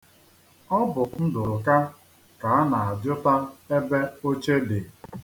Ọ bụ Ndụka ka a na-ajụta ebe oche dị.